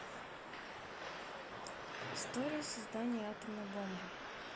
история создания атомной бомбы